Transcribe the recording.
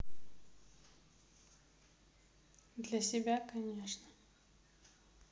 для себя конечно